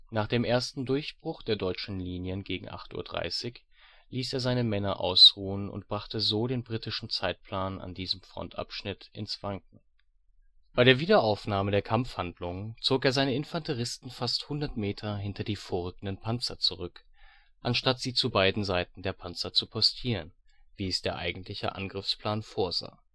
Nach dem ersten Durchbruch der deutschen Linien gegen 8:30 Uhr ließ er seine Männer ausruhen und brachte so den britischen Zeitplan an diesem Frontabschnitt ins Wanken. Bei der Wiederaufnahme der Kampfhandlungen zog er seine Infanteristen fast 100 m hinter die vorrückenden Panzer zurück, anstatt sie zu beiden Seiten der Panzer zu postieren, wie es der eigentliche Angriffsplan vorsah